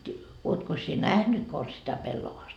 oletkos sinä nähnyt konsa sitä pellavasta